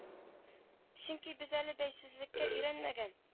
Чөнки без әле бәйсезлеккә өйрәнмәгән